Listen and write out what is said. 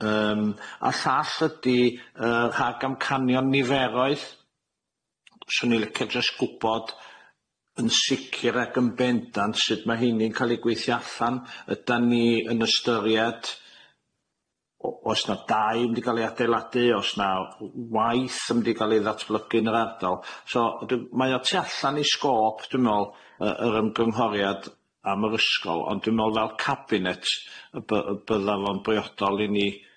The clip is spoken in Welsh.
Yym a llall ydi yy rhagamcanion niferoedd? 'Swn i licio jyst gwbod yn sicir ag yn bendant sut ma' 'heini'n ca'l eu gweithio allan, ydan ni yn ystyried o- o's na dai yn mynd i ga'l ei adeiladu o's na w- waith yn mynd i ga'l ei ddatblygu yn yr ardal, so ydw- mae o tu allan i sgôp dwi me'wl yy yr ymgynghoriad am yr ysgol ond dwi me'wl fel cabinet y by- y bydda fo'n briodol i ni,